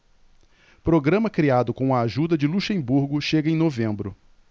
programa criado com a ajuda de luxemburgo chega em novembro